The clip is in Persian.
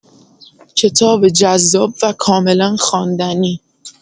کتاب جذاب و کاملا خواندنی